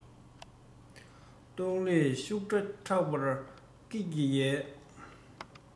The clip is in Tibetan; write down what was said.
སྡོང ལོས ཤུ སྒྲ བསྒྲགས པར སྐྱི རེ གཡའ